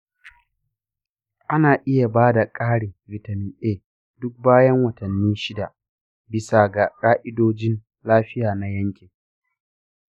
ana iya ba da ƙarin vitamin a duk bayan watanni shida bisa ga ƙa’idojin lafiya na yankin.